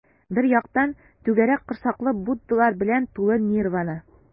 Бер яктан - түгәрәк корсаклы буддалар белән тулы нирвана.